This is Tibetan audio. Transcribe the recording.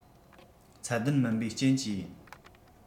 ཚད ལྡན མིན པའི རྐྱེན གྱིས ཡིན